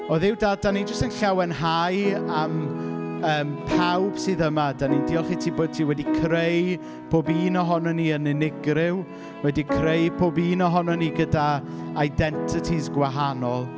O Dduw dad, dan ni jyst yn llawenhau am yym pawb sydd yma. Dan ni'n diolch i ti bod ti wedi creu pob un ohono ni yn unigryw wedi creu pob un ohono ni gyda identities gwahanol.